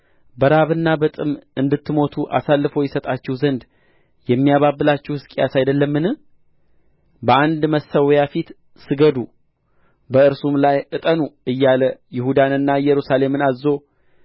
በራብና በጥም እንድትሞቱ አሳልፎ ይሰጣችሁ ዘንድ የሚያባብላችሁ ሕዝቅያስ አይደለምን በአንድ መሠዊያ ፊት ስገዱ በእርሱም ላይ ዕጠኑ እያለ ይሁዳንና ኢየሩሳሌምን አዝዞ